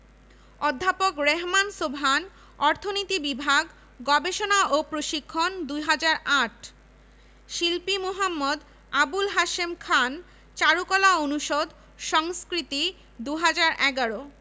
অধ্যাপক রেহমান সোবহান অর্থনীতি বিভাগ গবেষণা ও প্রশিক্ষণ ২০০৮ শিল্পী মু. আবুল হাশেম খান চারুকলা অনুষদ সংস্কৃতি ২০১১